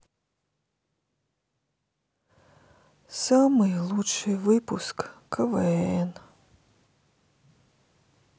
самый лучший выпуск квн